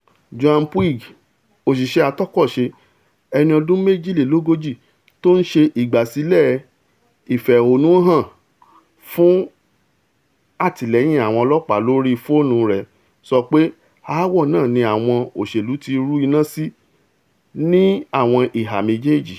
Joan Puig, òṣìṣẹ́ àtọkọ̀ṣe ẹni ọdún méjìlélógójì tó ńṣe ìgbàsílẹ̀ ìfẹ̀hónúhàn hàn fún àtìlẹ́yìn àwọn ọlọ́ọ̀pá lórí fóònu rẹ̀, sọ pé aáwọ̀ nàà ní àwọn òṣèlu ti rú iná sí ní àwọn ìhà méjèèjì.